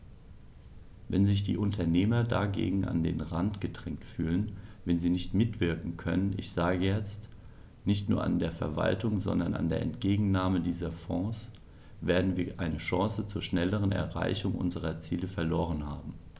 Wenn sich die Unternehmer dagegen an den Rand gedrängt fühlen, wenn sie nicht mitwirken können ich sage jetzt, nicht nur an der Verwaltung, sondern an der Entgegennahme dieser Fonds , werden wir eine Chance zur schnelleren Erreichung unserer Ziele verloren haben.